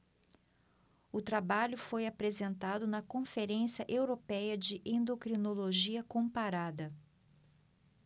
o trabalho foi apresentado na conferência européia de endocrinologia comparada